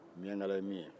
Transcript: miyankala ye min ye